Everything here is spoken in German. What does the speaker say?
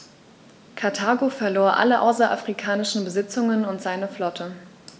Karthago verlor alle außerafrikanischen Besitzungen und seine Flotte.